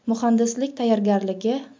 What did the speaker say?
muhandislik tayyorgarligi